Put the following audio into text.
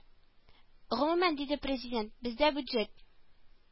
Гомумән, диде Президент, бездә бюджет